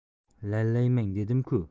lalaymang dedim ku